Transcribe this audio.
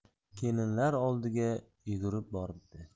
kelinlar oldiga yugurib boribdi